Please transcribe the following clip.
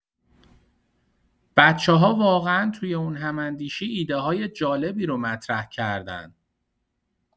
بچه‌ها واقعا توی اون هم‌اندیشی ایده‌های جالبی رو مطرح کردن!